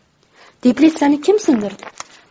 teplitsani kim sindirdi